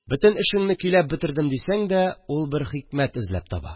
Бөтен эшеңне көйләп бетердем дисәң дә, ул бер хикмәт эзләп таба